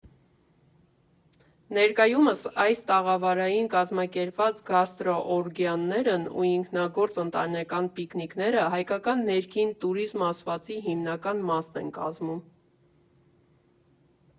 Ներկայումս այս տաղավարային կազմակերպված գաստրոօրգիաներն ու ինքնագործ ընտանեկան պիկնիկները հայկական ներքին տուրիզմ ասվածի հիմնական մասն են կազմում։